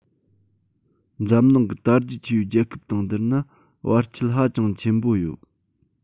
འཛམ གླིང གི དར རྒྱས ཆེ བའི རྒྱལ ཁབ དང བསྡུར ན བར ཁྱད ཧ ཅང ཆེན པོ ཡོད